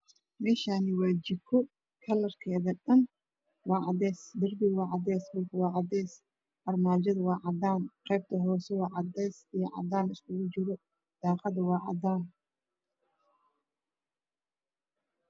Meshani waa jiko kalarkeda oo dhan waa cadees darbigu waa cadees dhulku waa cades armajada waa cadan qeybta hose waa cadees iyo cadan iskugu jiro daqada waa cadaan